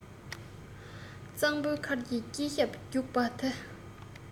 གཙང པོ མཁར གྱི དཀྱིལ ཞབས རྒྱུགས པ དེ